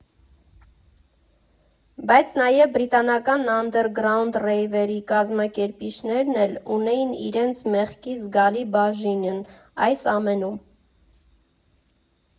Բայց նաև բրիտանական անդերգրաունդ ռեյվերի կազմակերպիչներն էլ ունեին իրենց մեղքի զգալի բաժինն այս ամենում։